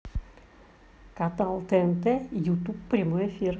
канал тнт ютуб прямой эфир